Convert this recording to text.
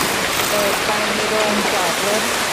เปิดไฟในโรงจอดรถ